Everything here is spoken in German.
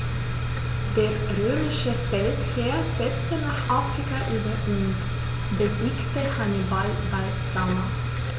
Der römische Feldherr setzte nach Afrika über und besiegte Hannibal bei Zama.